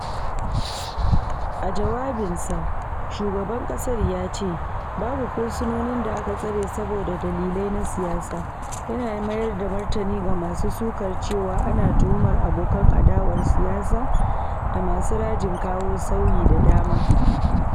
A jawabinsa, shugaban ƙasar ya ce “babu fursunonin da aka tsare saboda dalilai na siyasa,” yana mayar da martani ga masu sukar cewa ana tuhumar abokan adawar siyasa da masu rajin kawo sauyi da dama.